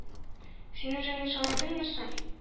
— син үзеңне санадыңмы соң?